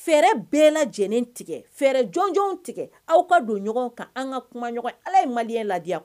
Fɛɛrɛ bɛɛ lajɛlen tigɛ fɛrɛɛrɛ jɔnjw tigɛ aw ka don ɲɔgɔn kan an ka kumaɲɔgɔn ala ye maliya ladi